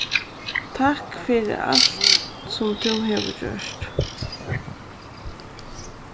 takk fyri alt sum tú hevur gjørt